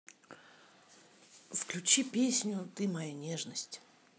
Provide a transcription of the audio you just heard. включи песню ты моя нежность